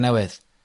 newydd?